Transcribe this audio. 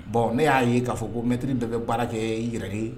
Bon ne y'a ye k'a fɔ ko mɛtri dɔ bɛ baara kɛ yɛrɛ de ye